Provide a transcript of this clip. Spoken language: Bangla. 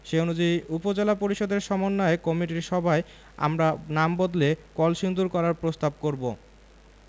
সে অনুযায়ী উপজেলা পরিষদের সমন্বয় কমিটির সভায় আমরা নাম বদলে কলসিন্দুর করার প্রস্তাব করব